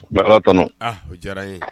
Balat o diyara ye